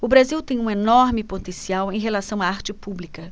o brasil tem um enorme potencial em relação à arte pública